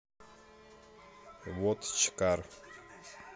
вотч кар